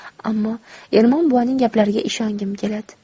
ammo ermon buvaning gaplariga ishongim keladi